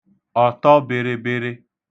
ọ̀tọbị̄rị̄bị̄rị̄